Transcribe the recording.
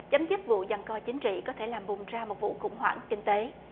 chấm dứt vụ giằng co chính trị có thể làm bùng ra một vụ khủng hoảng kinh tế